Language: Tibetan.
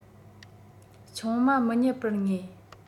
ཆུང མ མི རྙེད པར ངེས